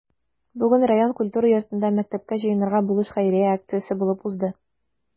Бүген район культура йортында “Мәктәпкә җыенырга булыш” хәйрия акциясе булып узды.